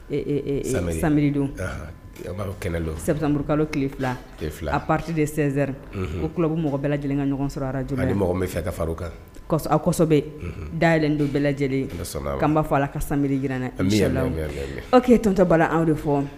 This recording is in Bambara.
Ee sa sari donurukalo ki fila a pati de sensɛri o ku mɔgɔ bɛɛ lajɛlen ka ɲɔgɔn sɔrɔj kan asɔbe dalen don bɛɛ lajɛlen anba fɔ ala la ka sanbiri jirarɛ'e tɔn tɛ bala anw de fɔ